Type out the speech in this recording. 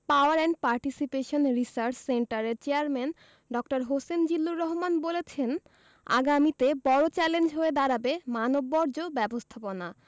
power and participation research সেন্টারের chairman ড হোসেন জিল্লুর রহমান বলেছেন আগামীতে বড় চ্যালেঞ্জ হয়ে দাঁড়াবে মানববর্জ্য ব্যবস্থাপনা